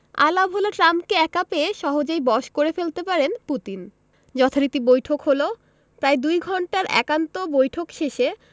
আলাভোলা ট্রাম্পকে একা পেয়ে সহজেই বশ করে ফেলতে পারেন পুতিন যথারীতি বৈঠক হলো প্রায় দুই ঘণ্টার একান্ত বৈঠক শেষে